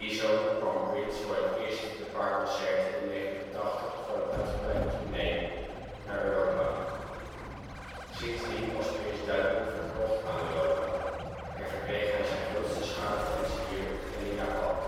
zomer kwam Prince voor het eerst sinds de paar concerten in 1981 voor een uitgebreide tournee naar Europa. Sindsdien was Prince duidelijk verknocht aan Europa en verkreeg hij zijn grootste schare fans hier en in Japan